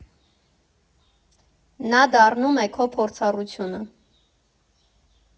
Նա դառնում է քո փորձառությունը։